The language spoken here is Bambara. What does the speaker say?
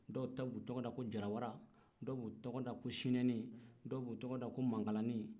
dɔw b'u ta tɔgɔda ko jara wara dɔw b'u tɔgɔda ko sinɛni dɔw b'u tɔgɔda ko mankarani